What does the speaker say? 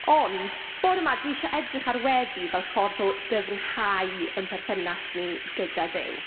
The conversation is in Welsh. Ond, bore 'ma dwi isio edrych ar weddi fel ffordd o dyfnhau ein perthynas ni gyda Duw.